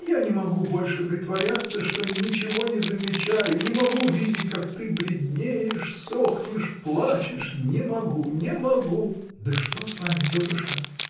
я не могу больше притворяться, что ничего не замечаю, не могу видеть, как ты бледнеешь, сохнешь, плачешь, не могу, не могу. -- Да что с вами, тетушка?